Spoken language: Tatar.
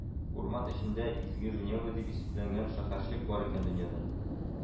Урман эчендә Изге Женева дип исемләнгән шәһәрчек бар икән дөньяда